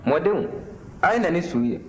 mɔdenw a' ye na ni su ye